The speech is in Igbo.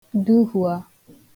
duhua